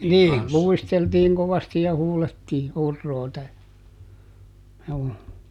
niin luisteltiin kovasti ja huudettiin huroota juu